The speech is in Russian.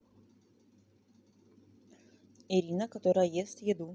ирина которая ест еду